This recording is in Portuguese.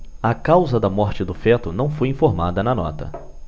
a causa da morte do feto não foi informada na nota